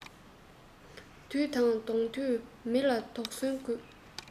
བདུད དང བསྡོངས དུས མི ལ དོགས ཟོན དགོས